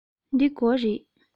འདི སྒོ རེད